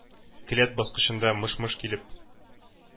Келәт баскычында мыш-мыш килеп